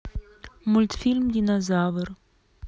мультфильм динозавр